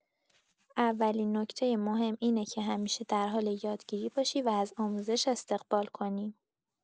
اولین نکته مهم اینه که همیشه در حال یادگیری باشی و از آموزش استقبال کنی.